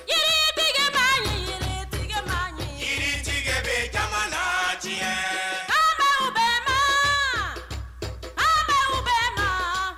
Jtigiba yiritigiba min yiri jigi bɛ jama diɲɛ faama bɛ ba faamaba bɛ taa